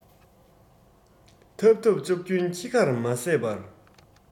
འཐབ འཐབ ལྕག རྒྱུན ཁྱི ཁར མ ཟད པར